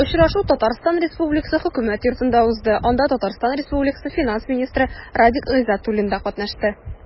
Очрашу Татарстан Республикасы Хөкүмәт Йортында узды, анда ТР финанс министры Радик Гайзатуллин да катнашты.